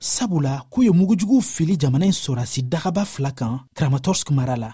sabula k'u ye mugujuguw fili jamana in sɔrasi dagaba fila kan kramatorsk mara la